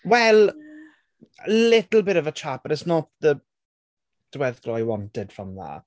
Well, a little bit of a chat, but it's not the ...diweddglo I wanted from that.